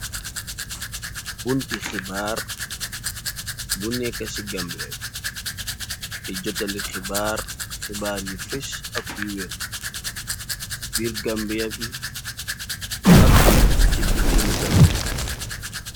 Bunti xibaar bu nekka ci gambia. Yi di jotali xibaar xibaar yu fis ak yu wer ci biir gambiab yi ak ci bitim gambiyam.